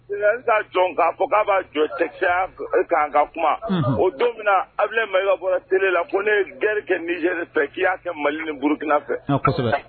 Ka jɔn k'a fɔ k'a b'a jɔ cɛya ka kuma o don min na a bɛna ne mali bɔra t la ko ne gari kɛ ni yɛrɛ fɛ k'i'a kɛ mali ni burukina fɛ